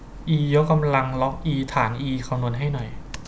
อียกกำลังล็อกอีฐานอีคำนวณให้หน่อย